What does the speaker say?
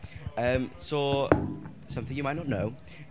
Yym, so something you might not know...